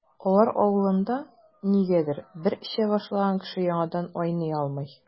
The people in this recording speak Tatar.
Алар авылында, нигәдер, бер эчә башлаган кеше яңадан айный алмый.